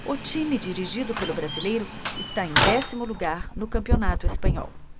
o time dirigido pelo brasileiro está em décimo lugar no campeonato espanhol